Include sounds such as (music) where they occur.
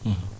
(hesitation) (hesitation)